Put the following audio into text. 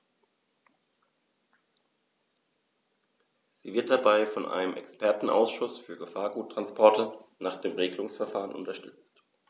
Sie wird dabei von einem Expertenausschuß für Gefahrguttransporte nach dem Regelungsverfahren unterstützt.